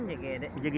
i njege de